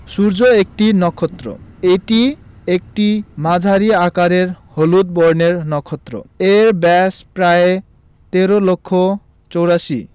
সূর্য একটি নক্ষত্র এটি একটি মাঝারি আকারের হলুদ বর্ণের নক্ষত্র এর ব্যাস প্রায় ১৩ লক্ষ ৮৪